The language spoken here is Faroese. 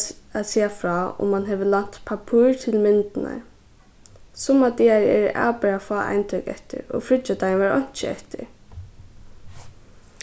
at siga frá um mann hevur lænt pappír til myndirnar summar dagar eru avbera fá eintøk eftir og fríggjadagin var einki eftir